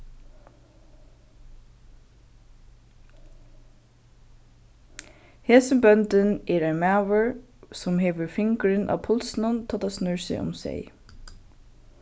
hesin bóndin er ein maður sum hevur fingurin á pulsinum tá snýr seg um seyð